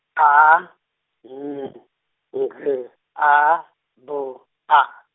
A, N, G, A, B, A.